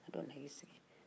a donna a y'i sigi